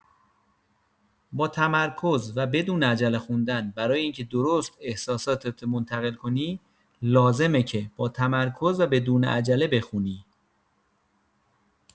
با تمرکز و بدون عجله خوندن برای اینکه درست احساساتت رو منتقل کنی، لازمه که با تمرکز و بدون عجله بخونی.